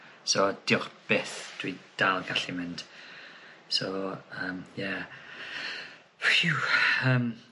So diolch byth dwi dal y gallu mynd so ym ie ffîw yym.